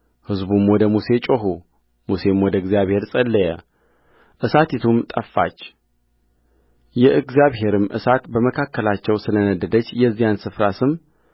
ሕዝቡም ወደ ሙሴ ጮኹ ሙሴም ወደ እግዚአብሔር ጸለየ እሳቲቱም ጠፋችየእግዚአብሔርም እሳት በመካከላቸው ስለነደደች የዚያን ስፍራ ስም